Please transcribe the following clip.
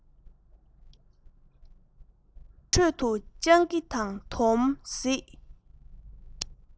གཅན གཟན མང པོ ཡོད པ གསལ བཤད བྱས